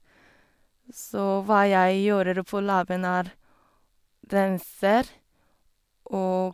Så hva jeg gjør på laben, er renser å...